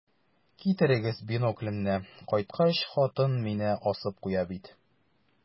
Китерегез биноклемне, кайткач, хатын мине асып куя бит.